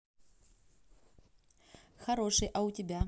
хороший а у тебя